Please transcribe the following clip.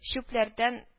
Чүпләрдән